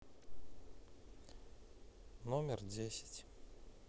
номер десять